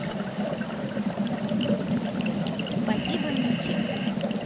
спасибо ничем